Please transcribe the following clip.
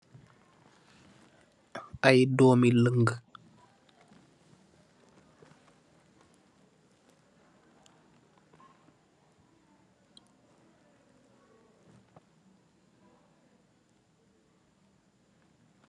Aye doumii lungui